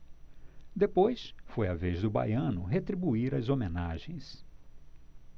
depois foi a vez do baiano retribuir as homenagens